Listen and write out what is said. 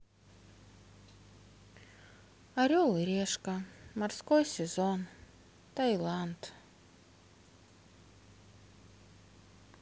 орел и решка морской сезон таиланд